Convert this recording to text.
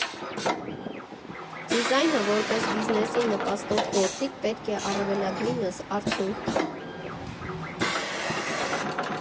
֊ Դիզայնը, որպես բիզնեսին նպաստող գործիք, պետք է առավելագույնս արդյունք տա։